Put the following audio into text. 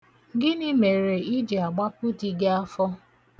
Gịnị mere i ji agbapụ di gị afọ?